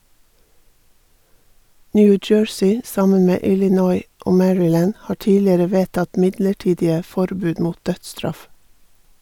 New Jersey, sammen med Illinois og Maryland, har tidligere vedtatt midlertidige forbud mot dødsstraff.